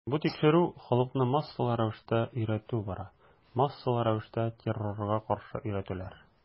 Бу тикшерү, халыкны массалы рәвештә өйрәтү бара, массалы рәвештә террорга каршы өйрәтүләр.